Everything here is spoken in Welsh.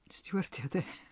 Jyst stiwardio de!